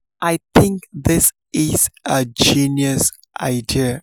"I think this is a genus idea.